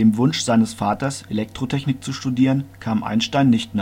Wunsch seines Vaters, Elektrotechnik zu studieren, kam Einstein nicht